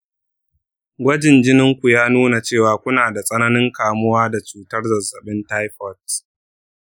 gwajin jinin ku ya nuna cewa kuna da tsananin kamuwa da cutar zazzabin taifot